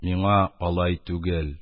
Миңа алай түгел.